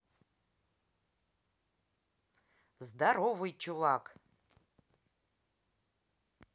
здоровый чувак